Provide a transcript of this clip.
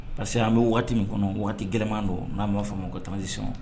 Parce que an bɛ waati min kɔnɔ waati gɛlɛnman don n'a m'a fɔ ma ko tamasisɔn